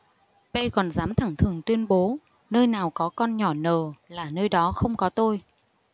p còn dám thẳng thừng tuyên bố nơi nào có con nhỏ n là nơi đó không có tôi